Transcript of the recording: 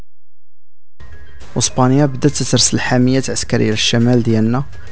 اسبانيا بدك ترسل حاميه عسكريه الشمال دينار